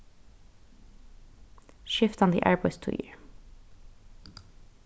skiftandi arbeiðstíðir